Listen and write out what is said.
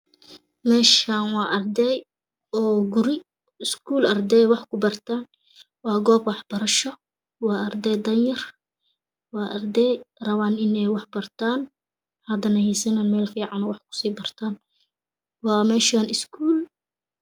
Meshaa waa ardey oo guri iskuul ardey wax kupartaan waa goop waxparsho waa ardo danyar waa ardey rapaan iney wax partaan hadane heesanin meel fiican ey wax kusiibartaan waa meshaan iskuul